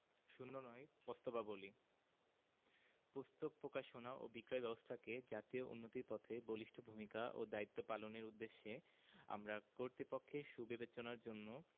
০৯ প্রস্তাবাবলী পুস্তক প্রকাশনা ও বিক্রয় ব্যাবস্থাকে জাতীয় উন্নতির পথে বলিষ্ঠ ভূমিকা ও দায়িত্ব পালনের উদ্দেশ্যে আমরা কর্তৃপক্ষের সুবিবেচনার জন্য